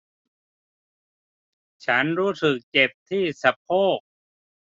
ฉันรู้สึกเจ็บที่สะโพก